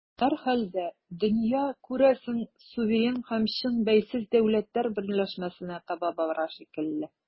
Һәрхәлдә, дөнья, күрәсең, суверен һәм чын бәйсез дәүләтләр берләшмәсенә янына таба бара шикелле.